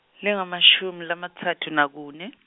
lengamashumi lamatsatfu nakune.